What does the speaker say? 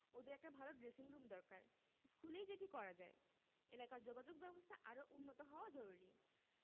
ওদের একটা ভালো ড্রেসিংরুম দরকার স্কুলেই যেটি করা যায় এলাকার যোগাযোগব্যবস্থা আরও উন্নত হওয়া জরুরি